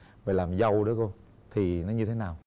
về làm dâu đó cô thì nó như thế nào